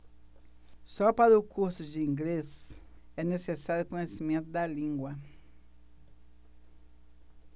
só para o curso de inglês é necessário conhecimento da língua